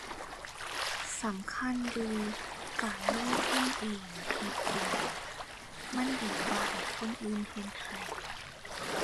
สำคัญอยู่ การลงทุนเอง เฮ็ดเอง มันดีกว่าให้คนอื่นเฮ็ดให้